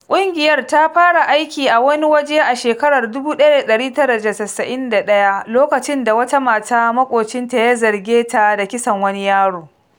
ƙungiyar ta fara aiki a wannan waje a shekarar 1991 lokacin da wata mata maƙocinta ya zarge ta da kisan wani yaro.